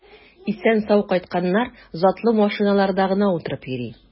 Исән-сау кайтканнар затлы машиналарда гына утырып йөри.